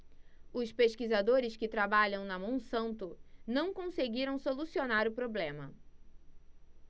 os pesquisadores que trabalham na monsanto não conseguiram solucionar o problema